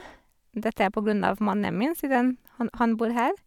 Dette er på grunn av mannen min, siden han han bor her.